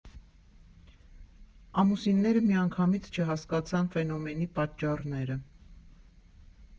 Ամուսինները միանգամից չհասկացան ֆենոմենի պատճառները։